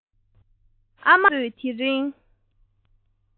ཨ མ དང གཅེན གཅུང གསུམ པོས དེ རིང